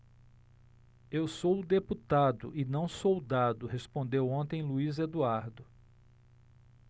eu sou deputado e não soldado respondeu ontem luís eduardo